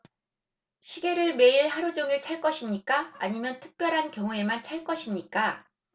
시계를 매일 하루 종일 찰 것입니까 아니면 특별한 경우에만 찰 것입니까